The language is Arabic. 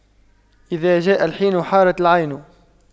إذا جاء الحين حارت العين